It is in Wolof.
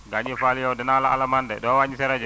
Gangy Fall yow dinaa la alamaan de doo waññi sa rajo